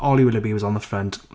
Holly Willoughby was on the front.